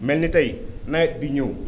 mel ni tey nawet bi ñëw